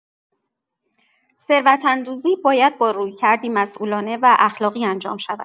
ثروت‌اندوزی باید با رویکردی مسئولانه و اخلاقی انجام شود.